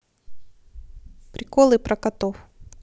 приколы про котов